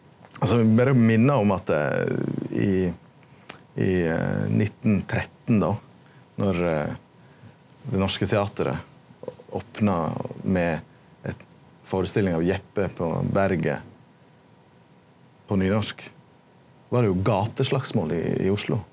altso eg berre minner om at i i 1913 då når Det norske teateret opna med førestilling av Jeppe på berget på nynorsk var det jo gateslagsmål i i Oslo.